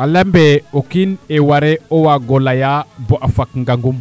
a lembe o kiin waree waag o layaa bo a faq ngangum